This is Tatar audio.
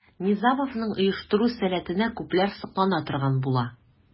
Низамовның оештыру сәләтенә күпләр соклана торган була.